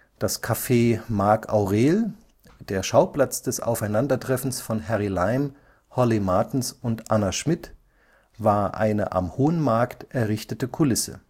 Das Café „ Marc Aurel “, der Schauplatz des Aufeinandertreffens von Harry Lime, Holly Martins und Anna Schmidt, war eine am Hohen Markt errichtete Kulisse